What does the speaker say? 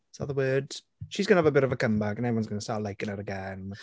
Is that the word? She's going to have a bit of a comeback, and everyone's going to start liking her again.